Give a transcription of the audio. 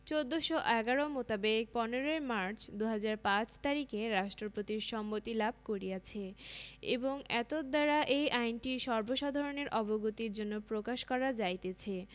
১৪১১ মোতাবেক ১৫ই মার্চ ২০০৫ তারিখে রাষ্ট্রপতির সম্মতি লাভ করিয়াছে এবং এতদ্বারা এই আইনটি সর্বসাধারণের অবগতির জন্য প্রকাশ করা যাইতেছে